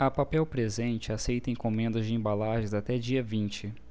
a papel presente aceita encomendas de embalagens até dia vinte